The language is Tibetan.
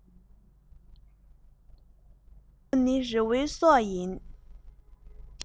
དབྱར རྩྭ དགུན འབུ ནི རི བོའི སྲོག ཡིན